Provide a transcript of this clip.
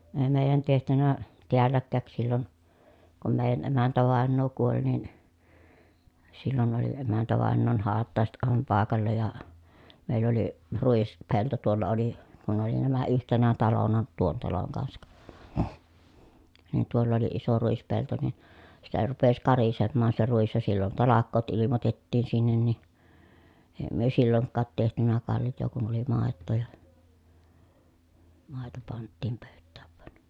ei meidän tehty täälläkään silloin kun meidän emäntävainaja kuoli niin silloin oli emäntävainajan hautajaiset aivan paikalla ja meillä oli ruispelto tuolla oli kun oli nämä yhtenä talona tuon talon kanssa niin tuolla oli iso ruispelto niin sitä rupesi karisemaan se ruis ja silloin talkoot ilmoitettiin sinne niin ei me silloinkaan tehty kaljaa kun oli maitoa ja maito panttiin pöytään vain